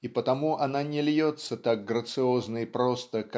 и потому она не льется так грациозно и просто